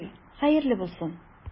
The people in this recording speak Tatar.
Ярый, хәерле булсын.